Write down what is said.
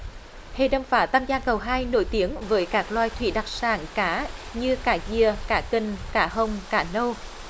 hệ đầm phá tam giang cầu hai nổi tiếng với các loài thủy đặc sản cá như cá dìa cá kình cá hồng cá nâu